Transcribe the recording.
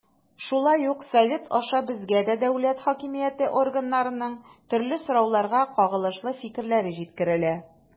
Шулай ук Совет аша безгә дә дәүләт хакимияте органнарының төрле сорауларга кагылышлы фикерләре җиткерелә.